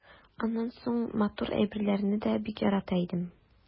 Аннан соң матур әйберләрне дә бик ярата идем.